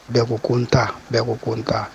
Bɛɛ ko kota bɛɛ kotan